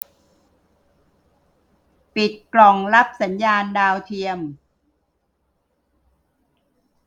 ปิดกล่องรับสัญญาณดาวเทียม